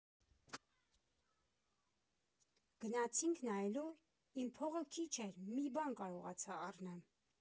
Գնացինք նայելու, իմ փողը քիչ էր, մի բան կարողացա առնեմ։